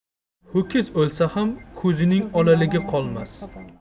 ho'kiz o'lsa ham ko'zining olaligi qolmas